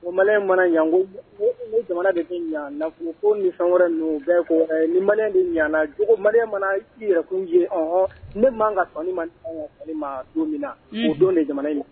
Maliyɛn mana ɲɛ, n ko jamana de bɛ ɲɛ. Nafolo ko nin wɛrɛ ninnu o bɛɛ ye ko wɛrɛ ye. Ni maliyɛn de ɲɛna, jogo, maliyɛn mana i yɛrɛkun jɛ, ɔnhɔn, ne man kan ka sɔn nin ma, ka kan ka sɔn nin ma don min na. Unhun. O don de jamana in